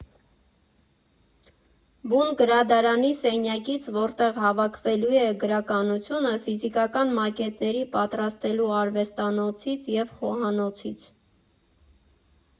Բուն գրադարանի սենյակից, որտեղ հավաքվելու է գրականությունը, ֆիզիկական մակետների պատրաստելու արվեստանոցից և խոհանոցից։